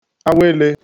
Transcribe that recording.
awele